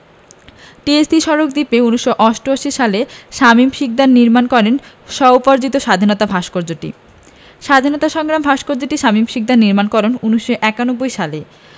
TSC সড়ক দ্বীপে ১৯৮৮ সালে শামীম শিকদার নির্মাণ করেন স্বোপার্জিত স্বাধীনতা ভাস্কর্যটি স্বাধীনতা সংগ্রাম ভাস্কর্যটি শামীম শিকদার নির্মাণ করেন ১৯৯১ সালে